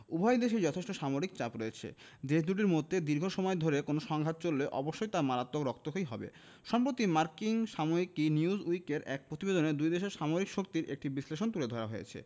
উভয় দেশেই যথেষ্ট সামরিক চাপ রয়েছে দেশ দুটির মধ্যে দীর্ঘ সময় ধরে কোনো সংঘাত চললে অবশ্যই তা মারাত্মক রক্তক্ষয়ী হবে সম্প্রতি মার্কিন সাময়িকী নিউজউইকের এক প্রতিবেদনে দুই দেশের সামরিক শক্তির একটি বিশ্লেষণ তুলে ধরা হয়েছে